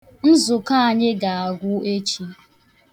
Nzụkọ anyị ga-agwụ taa.